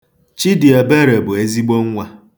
Chidịebere bụ ezigbo nwa.